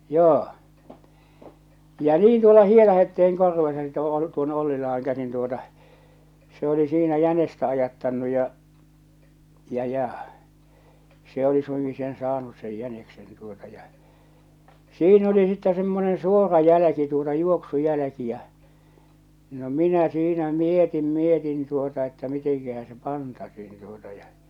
ja niin tuolla Hietahetteen korvessa sitten - tuonne Ollilaan käsin tuota se oli siinä jänistä ajattanut ja ja ja se oli suinkin sen saanut sen jäniksen tuota ja siinä oli sitten semmoinen suora jälki tuota juoksujälki ja no minä siinä mietin mietin tuota että mitenkähän se pantaisiin tuota ja